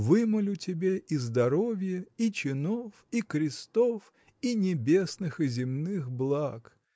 Вымолю тебе и здоровье, и чинов, и крестов, и небесных и земных благ.